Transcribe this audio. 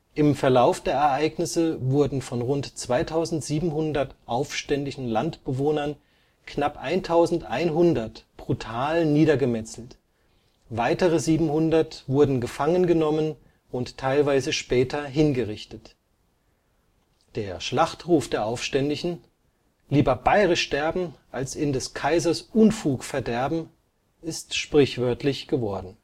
Im Verlauf der Ereignisse wurden von rund 2.700 aufständischen Landbewohnern knapp 1.100 brutal niedergemetzelt, weitere 700 wurden gefangengenommen und teilweise später hingerichtet. Der Schlachtruf der Aufständischen: „ Lieber bayrisch sterben, als in des Kaisers Unfug verderben! “ist sprichwörtlich geworden